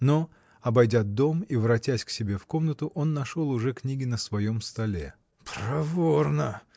Но обойдя дом и воротясь к себе в комнату, он нашел уже книги на своем столе. — Проворно!